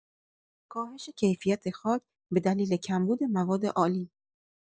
کاهش کیفیت خاک به دلیل کمبود مواد آلی